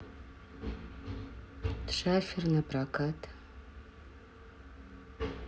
шафер на прокат